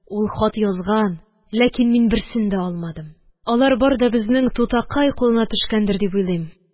Ул хат язган, ләкин мин берсен дә алмадым. Алар бар да безнең тутакай кулына төшкәндер дип уйлыйм.